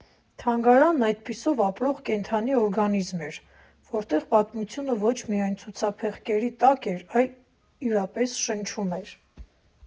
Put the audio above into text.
Թանգարանն այդպիսով ապրող, կենդանի օրգանիզմ էր, որտեղ պատմությունը ոչ միայն ցուցափեղկերի տակ էր, այլ իրապես շնչում էր։